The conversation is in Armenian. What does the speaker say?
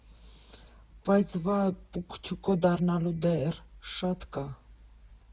Բայց Վա Պուկչուկո դառնալուն դեռ շատ կա։